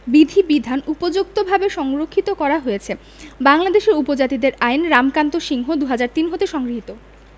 বিধিবিধান উপযুক্তভাবে সংরক্ষিত করা হয়েছে বাংলাদেশের উপজাতিদের আইন রামকান্ত সিংহ ২০০৩ হতে সংগৃহীত